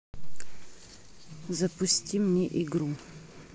запусти мне игру